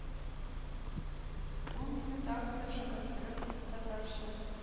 Ул, мине тагын да шаккатырып, татарча: